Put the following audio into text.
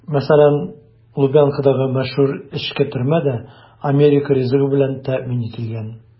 Мәсәлән, Лубянкадагы мәшһүр эчке төрмә дә америка ризыгы белән тәэмин ителгән.